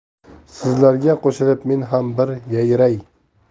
sizlarga qo'shilib men ham bir yayray